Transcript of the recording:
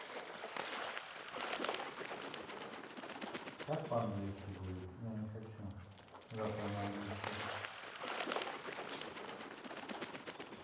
как по английски будет я не хочу завтра на английский